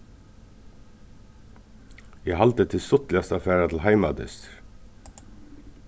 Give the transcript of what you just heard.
eg haldi at tað er stuttligast at fara til heimadystir